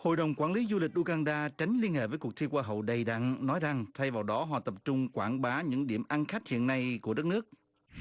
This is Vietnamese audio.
hội đồng quản lý du lịch đu cang đa tránh liên hệ với cuộc thi hoa hậu đầy đặn nói rằng thay vào đó họ tập trung quảng bá những điểm ăn khách hiện nay của đất nước